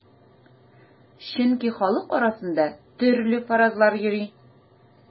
Чөнки халык арасында төрле фаразлар йөри.